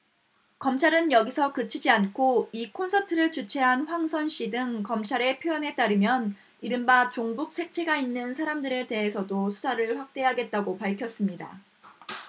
검찰은 여기서 그치지 않고 이 콘서트를 주최한 황선 씨 등 검찰의 표현에 따르면 이른바 종북 색채가 있는 사람들에 대해서도 수사를 확대하겠다고 밝혔습니다